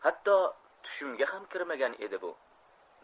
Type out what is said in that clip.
hatto tushimga ham kirmagan edi bu